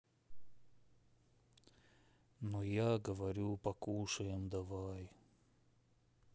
ну я говорю покушаем давай